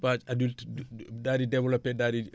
page adulte daal di développé daal di